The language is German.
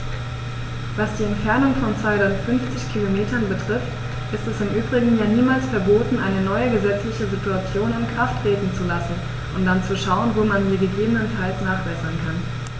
Was die Entfernung von 250 Kilometern betrifft, ist es im Übrigen ja niemals verboten, eine neue gesetzliche Situation in Kraft treten zu lassen und dann zu schauen, wo man sie gegebenenfalls nachbessern kann.